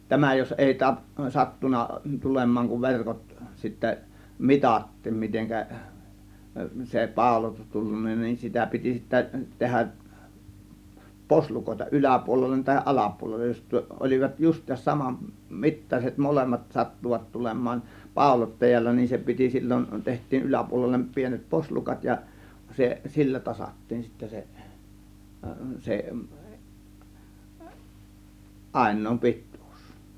tämä jos ei - sattunut tulemaan kun verkot sitten mitattiin miten se pauloitus tullut niin sitä piti sitten tehdä poslukoita yläpuolelle tai alapuolelle jos olivat justiinsa saman mittaiset molemmat sattuivat tulemaan pauloittajalla niin se piti silloin tehtiin yläpuolelle pienet poslukat ja se sillä tasattiin sitten se se ainoa pituus